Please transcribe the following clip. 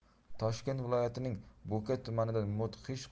toshkent viloyatining bo'ka tumanida mudhish